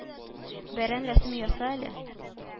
Бәрән рәсеме яса әле